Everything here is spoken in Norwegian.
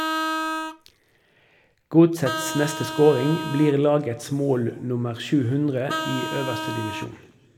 Godsets neste scoring blir lagets mål nummer 700 i øverste divisjon.